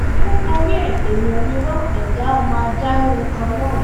Paríparí ẹ̀, èèyàn ni wá, ẹ̀dá ọmọ adáríhurun kan náà.